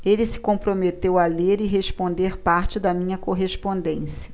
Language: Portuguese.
ele se comprometeu a ler e responder parte da minha correspondência